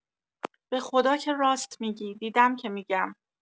بخدا که راست می‌گی دیدم که می‌گم